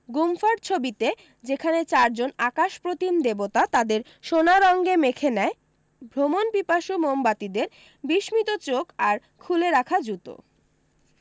গুম্ফার ছবিতে যেখানে চারজন আকাশপ্রতিম দেবতা তাদের সোনার অঙ্গে মেখে নেয় ভ্রমণপিপাসু মোমবাতিদের বিষ্মিত চোখ আর খুলে রাখা জুতো